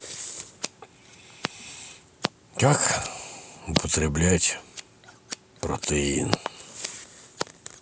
как употреблять протеин